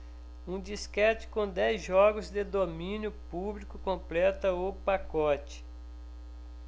um disquete com dez jogos de domínio público completa o pacote